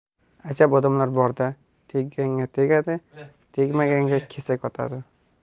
ajab odamlar bor da tegganga tegadi tegmaganga kesak otadi